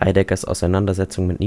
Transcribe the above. (Heideggers Auseinandersetzung